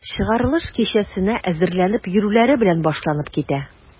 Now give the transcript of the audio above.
Чыгарылыш кичәсенә әзерләнеп йөрүләре белән башланып китә.